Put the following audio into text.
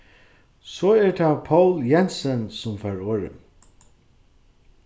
so er tað poul jensen sum fær orðið